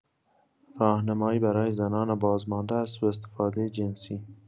راهنمایی برای زنان بازمانده از سوءاستفاده جنسی